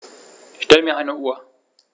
Stell mir eine Uhr.